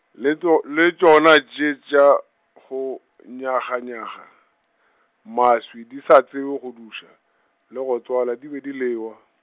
le tšo, le tšona tše tša, go nyaganyaga, maswi di sa tsebe go duša, le go tswala di be di lewa.